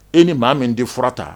E ni maa min den fura ta